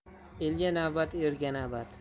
elga navbat erga navbat